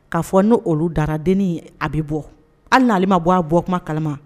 K'a fɔ ni olu daraden ye a bɛ bɔ hali'alelima bɔ a bɔ kuma kalama